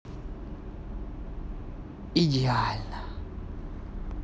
идеально